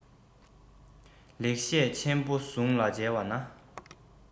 ལེགས བཤད ཆེན པོ ཟུང ལ མཇལ བ ན